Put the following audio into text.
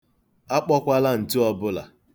Akpọkwala ntu ọbụla.